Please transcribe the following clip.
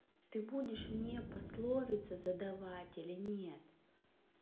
ты будешь мне пословиться задавать или нет